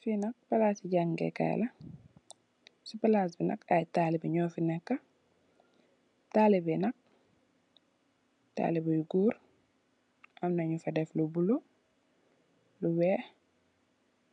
Fii nak palaasi jangee kaay la, si palaas bi nak aye taalibe ñoofi neka, taalibe yi nak, taalibe yu goor, amna ñufa def lu buleuh, lu weeh,